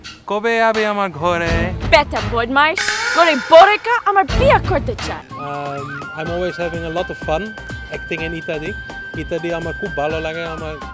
কবে আইবে আমার ঘরে ব্যাটা বদমাইশ ঘরে বউ রাইখা আবার বিয়া করতে চায় I am always having a lot of fun acting in ইত্যাদি ইত্যাদি আমার খুব ভালো লাগে আমার